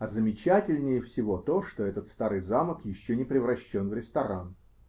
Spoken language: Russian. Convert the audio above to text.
А замечательнее всего то, что этот старый замок еще не превращен в ресторан.